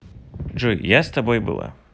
джой я с тобой была